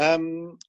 Yym.